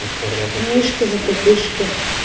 мишки затупишки